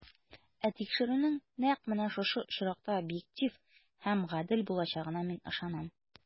Ә тикшерүнең нәкъ менә шушы очракта объектив һәм гадел булачагына мин ышанам.